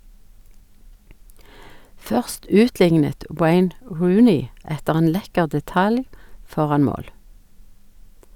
Først utliknet Wayne Rooney etter en lekker detalj foran mål.